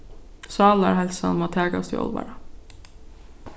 sálarheilsan má takast í álvara